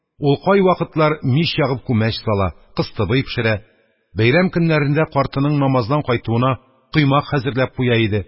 Ул кайвакытлар мич ягып күмәч сала, кыстыбый пешерә, бәйрәм көннәрендә картының намаздан кайтуына коймак хәзерләп куя иде.